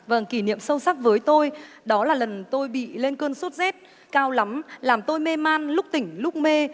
vâng kỷ niệm sâu sắc với tôi đó là lần tôi bị lên cơn sốt rét cao lắm làm tôi mê man lúc tỉnh lúc mê